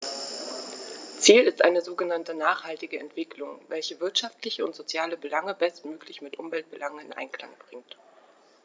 Ziel ist eine sogenannte nachhaltige Entwicklung, welche wirtschaftliche und soziale Belange bestmöglich mit Umweltbelangen in Einklang bringt.